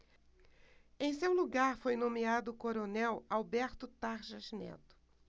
em seu lugar foi nomeado o coronel alberto tarjas neto